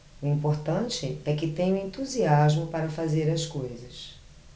o importante é que tenho entusiasmo para fazer as coisas